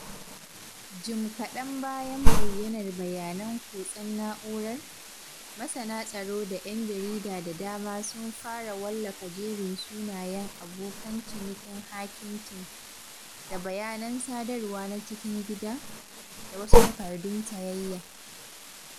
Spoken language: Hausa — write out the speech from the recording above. Jim-kaɗan bayan bayyanar bayanan kutsen na'urar, masana tsaro da ‘yan jarida da dama sun fara wallafa jerin sunayen abokan cinikin Hacking Team, da bayanan sadarwa na cikin gida, da wasu takardun sayayya.